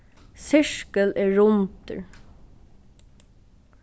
sirkul er rundur